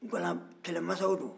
guwala kɛlɛmasaw don